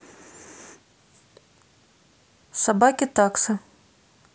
собаки таксы